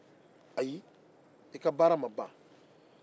ayi i ka baara ma ban